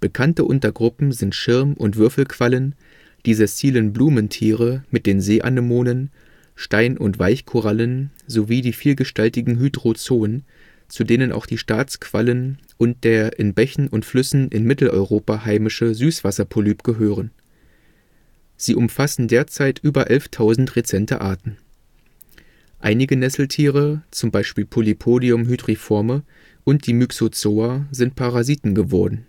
Bekannte Untergruppen sind Schirm - und Würfelquallen, die sessilen Blumentiere mit den Seeanemonen, Stein - und Weichkorallen sowie die vielgestaltigen Hydrozoen, zu denen auch die Staatsquallen und der in Bächen und Flüssen in Mitteleuropa heimische Süßwasserpolyp gehören. Sie umfassen derzeit über 11 000 rezente Arten. Einige Nesseltiere (z. B. Polypodium hydriforme und die Myxozoa) sind Parasiten geworden